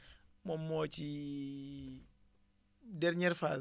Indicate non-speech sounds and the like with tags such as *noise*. moom moo ciy *hesitation* dernière phase